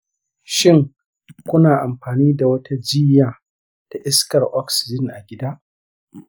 shin kuna amfani da wata jiyya ta iskar oxygen a gida?